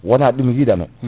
wona ɗum yiɗano